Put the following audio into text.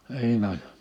niin on